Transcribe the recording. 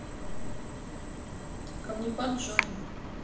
камнепад джонни